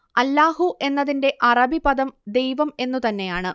അല്ലാഹു എന്നതിന്റെ അറബി പദം ദൈവം എന്നു തന്നെയാണ്